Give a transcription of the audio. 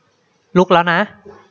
ลุกแล้วนะ